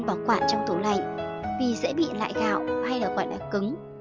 dễ bị lại gạo hay được gọi là cứng